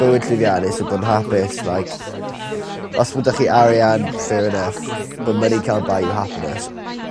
bywyd llwyddiannus yw bod yn hapus like os ma' 'dach chi arian fair enough bu' money can't buy you happiness.